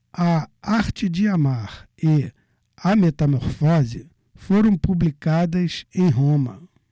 a arte de amar e a metamorfose foram publicadas em roma